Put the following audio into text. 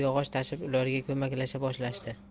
yog'och tashib ularga ko'maklasha boshlashdi